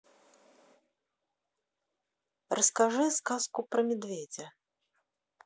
расскажи сказку про медведя